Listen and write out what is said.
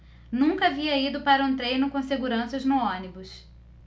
nunca havia ido para um treino com seguranças no ônibus